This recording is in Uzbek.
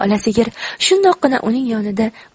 ola sigir shundoqqina uning yonida